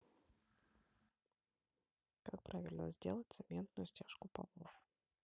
как правильно сделать цементную стяжку полов